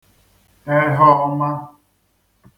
ehọọ̄mā